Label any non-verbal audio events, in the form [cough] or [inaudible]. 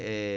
[hesitation] [hesitation]